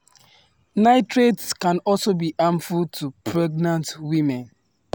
Nitrates can also be harmful to pregnant women.